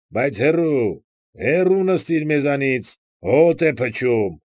Բայց հեռո՛ւ, հեռո՜ւ նստիր մեզանից, հոտ է փչում։ ֊